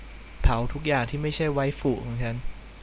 เผาทุกอย่างที่ไม่ใช่ไวฟุของฉัน